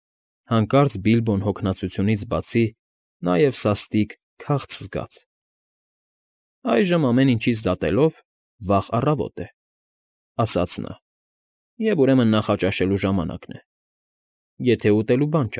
Հանկարծ Բիլբոն հոգնածությունից բացի նաև սաստիկ քաղց զգաց։ ֊ Այժմ ամեն ինչից դատելով, վաղ առավոտ է,֊ ասաց նա,֊ և, ուրեմն, նախաճաշելու ժամանակն է, եթե ուտելու բան։